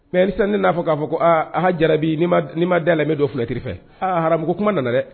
Mɛ isa ne n'a fɔ k'a fɔ ko aah jara n ma da la bɛ don fila ki fɛ aa ham kuma nana dɛ